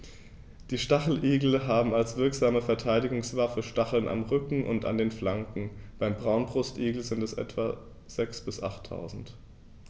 Die Stacheligel haben als wirksame Verteidigungswaffe Stacheln am Rücken und an den Flanken (beim Braunbrustigel sind es etwa sechs- bis achttausend).